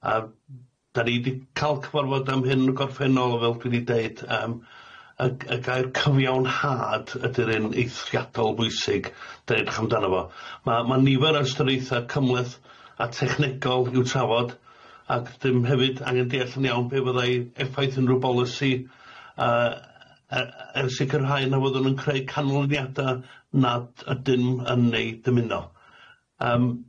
Yym 'dan ni 'di ca'l cyfarfod am hyn 'n y gorffennol fel dwi 'di deud yym y g- y gair cyfiawnhad ydi'r un eithriadol bwysig amdany fo. Ma' ma' nifer o ystyreitha cymhleth a technegol i'w trafod ag ddim hefyd angen deall yn iawn be' fyddai effaith unryw bolisi yy yy er sicirhau na fyddwn yn creu canlyniada nad ydym yn ei dymuno. Yym